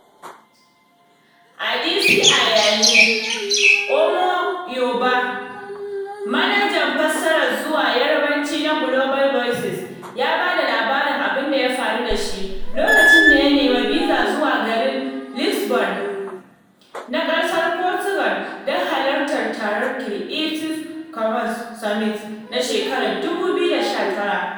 Adesina Ayeni (Ọmọ Yoòbá) manajan fassara zuwa Yarbanci na Global voices ya ba da labarin abinda ya faru da shi lokacin da ya nemi bizar zuwa garin Lisbon na ƙasar Portugal don halartar taron Creative Commons Summit na shekarar 2019.